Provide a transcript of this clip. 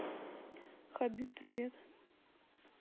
хабиб привет